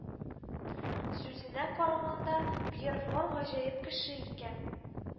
Сүзенә караганда, Пьер Фор гаҗәеп кеше икән